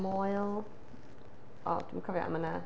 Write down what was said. Moel... o dwi'm yn cofio ond mae 'na...